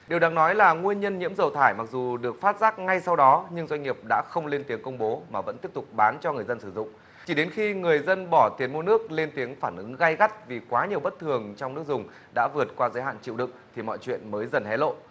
điều đáng nói là nguyên nhân nhiễm dầu thải mặc dù được phát giác ngay sau đó nhưng doanh nghiệp đã không lên tiếng công bố mà vẫn tiếp tục bán cho người dân sử dụng chỉ đến khi người dân bỏ tiền mua nước lên tiếng phản ứng gay gắt vì quá nhiều bất thường trong nước dùng đã vượt qua giới hạn chịu đựng thì mọi chuyện mới dần hé lộ